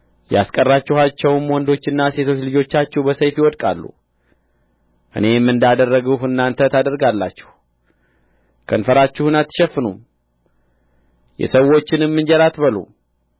ያስቀራችኋቸውም ወንዶችና ሴቶች ልጆቻችሁ በሰይፍ ይወድቃሉ እኔም እንዳደረግሁ እናንተ ታደርጋላችሁ ከንፈራችሁን አትሸፍኑም የሰዎችንም እንጀራ አትበሉም